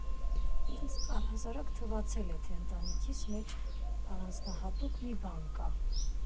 Ինձ առհասարակ թվացել է, թե ընտանիքիս մեջ առանձնահատուկ մի բան կա։